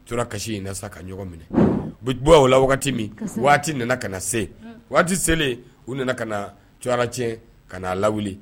U tora kasi in na ka ɲɔgɔn minɛ bi bɔ o la waati wagati min waati nana ka se waati wagati selen u nana ka cc ka lawu